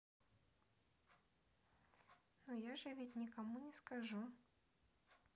ну я же ведь никому не скажу